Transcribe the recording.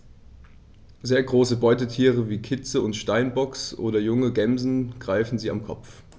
Sehr große Beutetiere wie Kitze des Steinbocks oder junge Gämsen greifen sie am Kopf.